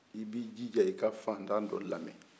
i bi jija ka fantan dɔ lamɛ